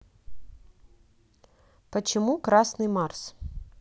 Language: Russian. почему красный марс